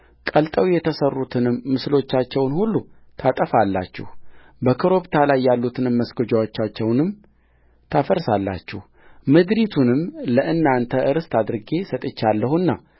ቀልጠው የተሠሩትንም ምስሎቻቸውን ሁሉ ታጠፋላችሁ በኮረብታ ላይ ያሉትን መስገጃዎቻቸውንም ታፈርሳላችሁምድሪቱንም ለእናንተ ርስት አድርጌ ሰጥቼአችኋለሁና